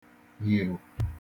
yirù